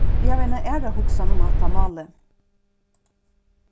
eg havi eina aðra hugsan um hatta málið